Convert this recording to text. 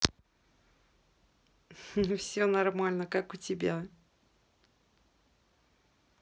все нормально а как у тебя